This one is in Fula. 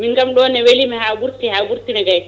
min kam ɗo ne welimi ha ɓurti ha ɓurti ne kaayi